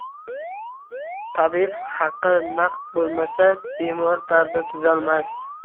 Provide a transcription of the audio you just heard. tabib haqi naqd bo'lmasa bemor dardi tuzalmas